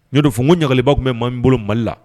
N ɲɔodo fo ko ɲagakalibaa tun bɛ ma min bolo mali la